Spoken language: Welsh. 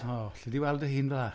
O alli di weld dy hun fel yna?